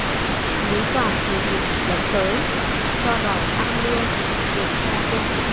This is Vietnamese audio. lý toàn thừa dịp lấn tới cho đòi tăng lương tiền cho quân sĩ